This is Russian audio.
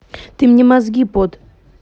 ты мне мозги под